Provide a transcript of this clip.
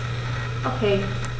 Okay.